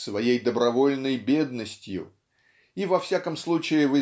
своей добровольной бедностью и во всяком случае